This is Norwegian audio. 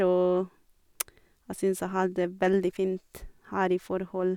Og jeg syns jeg har det veldig fint her i forhold.